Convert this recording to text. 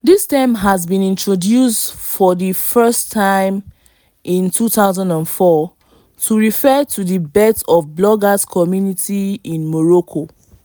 This term has been introduced for the first time in 2004 to refer to the birth of bloggers community in Morocco.